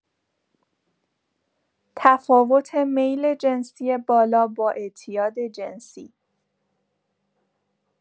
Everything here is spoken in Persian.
تفاوت میل جنسی بالا با اعتیاد جنسی